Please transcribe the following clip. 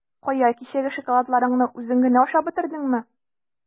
Кая, кичәге шоколадларыңны үзең генә ашап бетердеңме?